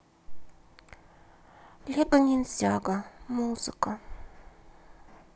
лего ниндзяго музыка